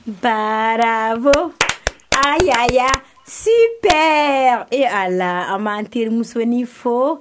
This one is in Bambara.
Barabɔ ayiwa si bɛɛ ee a la a man teri musonin fo